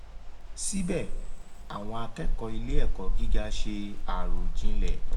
Síbẹ̀, àwọn akẹ́kọ̀ọ́ ilé-ẹ̀kọ́ gíga ṣe àròjinlẹ̀.